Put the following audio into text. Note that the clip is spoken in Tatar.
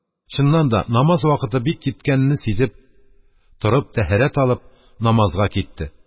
Чынын да намаз вакыты бик йиткәнене сизеп, торып, тәһарәт алып, намазга китте.